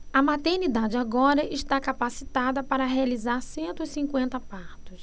a maternidade agora está capacitada para realizar cento e cinquenta partos